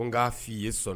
Ko n k'a f' i ye sɔn